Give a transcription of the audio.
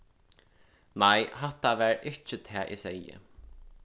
nei hatta var ikki tað eg segði